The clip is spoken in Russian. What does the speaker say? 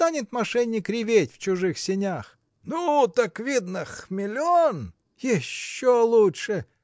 Станет мошенник реветь в чужих сенях! – Ну, так, видно, хмелен! – Еще лучше!